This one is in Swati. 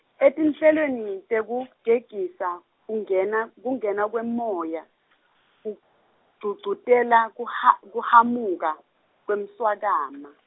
etinhlelweni tekugegisa, kungena, kungena kwemoya, kugcugcutela kuha- kuhamuka, kwemswakama.